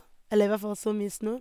Eller i hvert fall så mye snø.